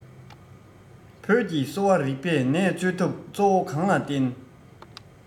བོད ཀྱི གསོ བ རིགས པས ནད བཅོས ཐབས གཙོ བོ གང ལ བརྟེན